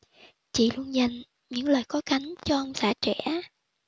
chị luôn dành những lời có cánh cho ông xã trẻ